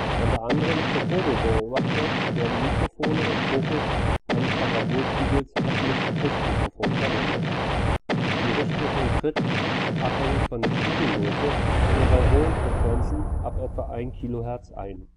Unter anderem zur Vogelbeobachtung werden Mikrofone im Fokus eines Parabolspiegels als Richtmikrofon verwendet. Die Richtwirkung tritt – abhängig von der Spiegelgröße – nur bei hohen Frequenzen (ab etwa 1 kHz) ein